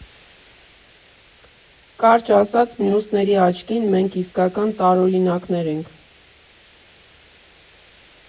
Կարճ ասած՝ մյուսների աչքին մենք իսկական տարօրինակներ ենք։